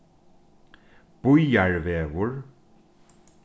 bíarvegur